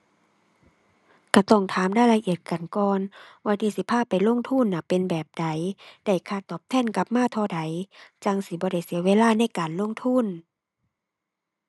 ก็ต้องถามรายละเอียดกันก่อน ว่าที่สิพาไปลงทุนน่ะเป็นแบบใด ได้ค่าตอบแทนกลับมาเท่าใด จั่งสิบ่ได้เสียเวลาในการลงทุน